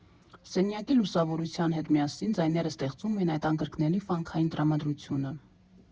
Սենյակի լուսավորության հետ միասին ձայները ստեղծում են այդ անկրկնելի ֆանքային տրամադրությունը։